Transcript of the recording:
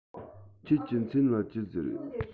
ཁྱེད ཀྱི མཚན ལ ཅི ཟེར